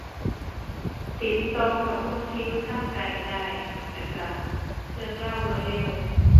ติดต่อกับคนที่อยู่ทางไกลได้ แล้วก็เรื่องราวรวดเร็ว